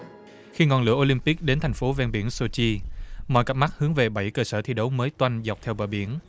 khi ngọn lửa ô lim píc đến thành phố ven biển xô chi mọi cặp mắt hướng về bảy cơ sở thi đấu mới toanh dọc theo bờ biển